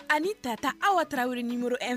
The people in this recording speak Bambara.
A tata aw ka taara nioro fɛ